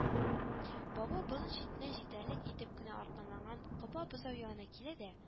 Бавы болын читенә җитәрлек итеп кенә арканланган коба бозау янына килә дә